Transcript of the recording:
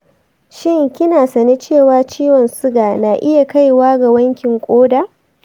shin kina sane cewa ciwon suga na iya kaiwa ga wankin koda?